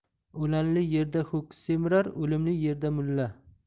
o'lanli yerda ho'kiz semirar o'limli yerda mulla